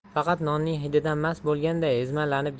faqat nonning hididan mast bo'lganday ezma